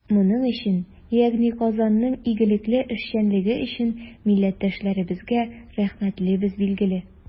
Моның өчен, ягъни Казанның игелекле эшчәнлеге өчен, милләттәшләребезгә рәхмәтлебез, билгеле.